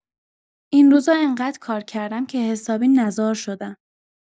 این روزا انقد کار کردم که حسابی نزار شدم.